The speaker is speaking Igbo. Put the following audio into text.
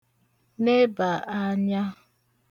nebà anya